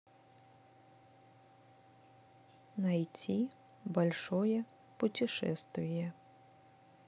найти большое путешествие